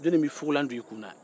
jɔnni bɛ fugulan don i kun na